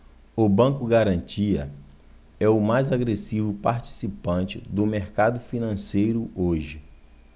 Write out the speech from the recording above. o banco garantia é o mais agressivo participante do mercado financeiro hoje